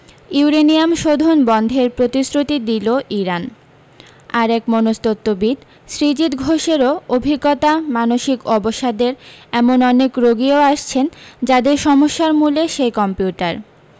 uranium শোধন বন্ধের প্রতিশ্রুতি দিল ইরান আর এক মনস্তত্ত্ববিদ শ্রীজিত ঘোষেরও অভিজ্ঞতা মানসিক অবসাদের এমন অনেক রোগীও আসছেন যাঁদের সমস্যার মূলে সেই কম্পিউটার